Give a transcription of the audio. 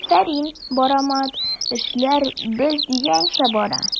Афәрин, брамат, эшләр без дигәнчә бара!